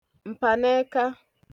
m̀pànẹeka